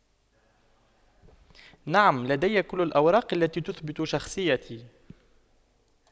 نعم لدي كل الاوراق التي تثبت شخصيتي